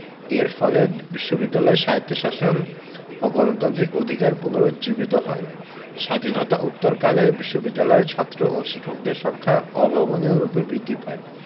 এর ফলে বিশ্ববিদ্যালয়ের স্বায়ত্তশাসন ও গণতান্ত্রিক অধিকার পুনরুজ্জীবিত হয় স্বাধীনতা উত্তরকালে বিশ্ববিদ্যালয়ের ছাত্র ও শিক্ষকদের সংখ্যা অভাবনীয়রূপে বৃদ্ধি পায়